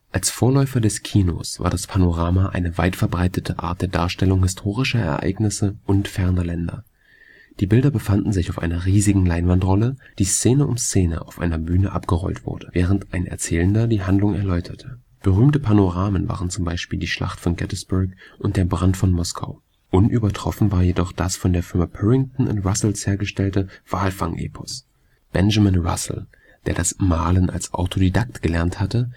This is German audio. Als Vorläufer des Kinos war das Panorama eine weitverbreitete Art der Darstellung historischer Ereignisse und ferner Länder. Die Bilder befanden sich auf einer riesigen Leinwandrolle, die Szene um Szene auf einer Bühne abgerollt wurde, während ein Erzähler die Handlung erläuterte. Berühmte Panoramen waren z. B. Die Schlacht von Gettysburg und der Brand von Moskau. Unübertroffen war jedoch das von der Firma Purrington & Russels hergestellte Walfangepos. Benjamin Russel, der das Malen als Autodidakt gelernt hatte